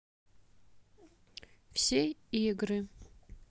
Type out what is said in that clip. все игры